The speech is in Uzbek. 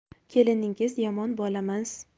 keliningiz yomon bolamas